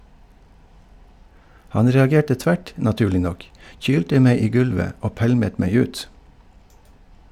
Han reagerte tvert, naturlig nok, kylte meg i gulvet og pælmet meg ut.